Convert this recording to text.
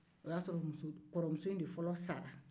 o y'a sɔrɔ kɔrɔmuso in de fɔlɔ sara